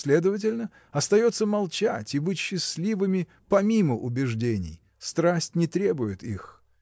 следовательно, остается молчать и быть счастливыми помимо убеждений страсть не требует их.